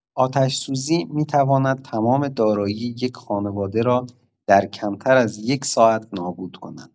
آتشوزی می‌تواند تمام دارایی یک خانواده را در کمتر از یک ساعت نابود کند.